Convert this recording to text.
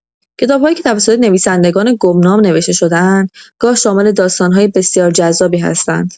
کتاب‌هایی که توسط نویسندگان گمنام نوشته شده‌اند، گاه شامل داستان‌های بسیار جذابی هستند.